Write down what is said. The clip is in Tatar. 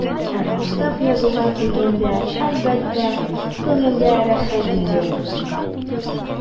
Ә мактап язуга килгәндә, әлбәттә, күңелгә рәхәт инде ул.